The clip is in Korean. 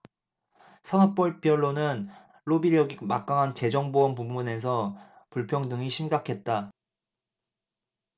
산업별로는 로비력이 막강한 재정 보험 부문에서 불평등이 심각했다